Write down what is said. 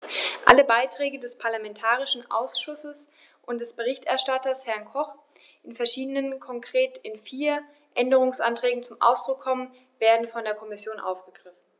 Alle Beiträge des parlamentarischen Ausschusses und des Berichterstatters, Herrn Koch, die in verschiedenen, konkret in vier, Änderungsanträgen zum Ausdruck kommen, werden von der Kommission aufgegriffen.